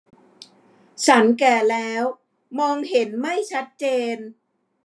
ฉันแก่แล้วมองเห็นไม่ชัดเจน